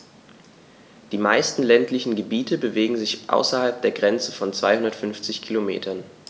Die meisten ländlichen Gebiete bewegen sich außerhalb der Grenze von 250 Kilometern.